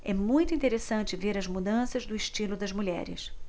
é muito interessante ver as mudanças do estilo das mulheres